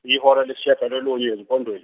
yihora lesishagalolunye ezimpondweni.